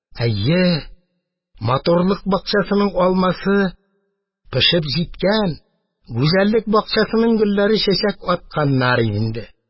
Әйе, матурлык бакчасының алмасы пешеп җиткән, гүзәллек бакчасының гөлләре чәчәк атканнар иде инде.